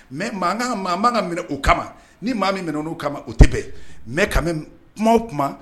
Mɛ ka minɛ o kama ni maa min minɛ' o kama o tɛ bɛn mɛ ka kuma kuma